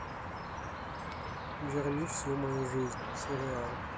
верни мою жизнь сериал